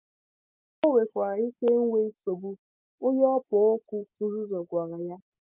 O nwekwara ike inwe nsogbu, onye ọkpọọ oku nzuzo gwara ya.